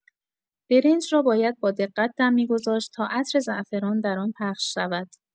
برنج را باید با دقت دم می‌گذاشت تا عطر زعفران در آن پخش شود.